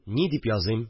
Ни дип языйм